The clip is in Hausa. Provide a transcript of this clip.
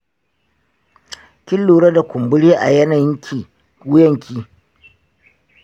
kin lura da kumburi a yanakin wuyanki?